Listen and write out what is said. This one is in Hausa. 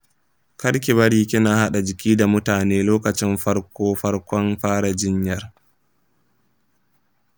karki bari kina hada jiki da mutane lokacin farko farkon fara jinyar.